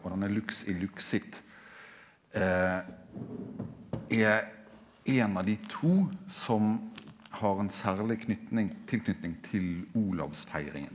og denne Lux illuxit er ein av dei to som har ein særleg knyting tilknyting til Olavsfeiringa.